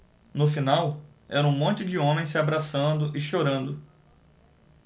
no final era um monte de homens se abraçando e chorando